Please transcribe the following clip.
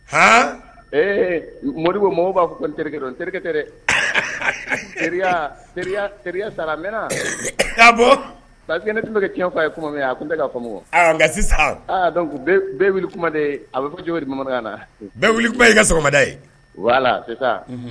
H ee mori ko mɔgɔw b'a fɔ n terikɛkɛ n terikɛ tɛ sara mɛn' bɔ pa ne tun bɛ kɛ kɛ fa ye kuma min a tun tɛ kaamu sisan aaa dɔn ko bɛɛ wuli kuma de a bɛ fɔ jɔn di bamanankan na wuli kuma ye ka sɔgɔmada ye